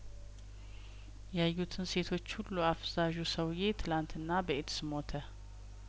ያዩትን ሴቶች ሁሉ አፍዛዡ ሰውዬ ትላንትና በእድስሞተ